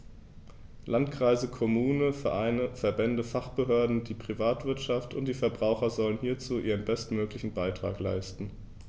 Landkreise, Kommunen, Vereine, Verbände, Fachbehörden, die Privatwirtschaft und die Verbraucher sollen hierzu ihren bestmöglichen Beitrag leisten.